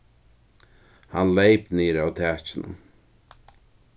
hann leyp niður av takinum